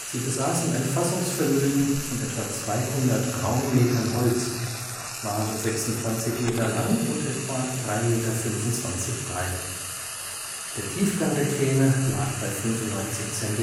Sie besaßen ein Fassungsvermögen von etwa 200 Raummetern Holz, waren 26 Meter lang und etwa 3,25 Meter breit. Der Tiefgang der Kähne lag bei 0,95 Metern. Bei der